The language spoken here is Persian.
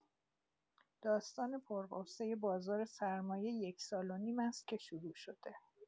داستان پر غصه بازار سرمایه یک سال و نیم است که شروع شده.